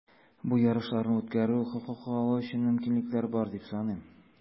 Бу ярышларны үткәрү хокукы алу өчен мөмкинлекләр бар, дип саныйм.